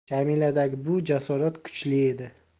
jamiladagi bu jasorat kuchli edi